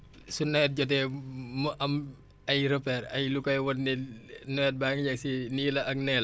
su nawet jotee mu am ay repères ay lu koy wan ne nawet baa ngi egg si nii la ak nee la